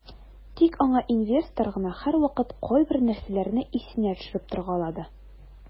Тик аңа инвестор гына һәрвакыт кайбер нәрсәләрне исенә төшереп торгалады.